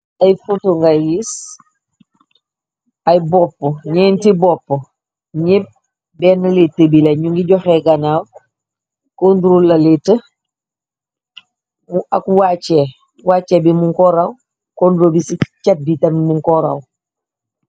ay foto nga yiis ay bopp ñeenti bopp ñip benn lit bi la ñu ngi joxe ganaaw kondro la litë u ak we wàcce bi mu koraw kondro bi ci catbi tan mu koraw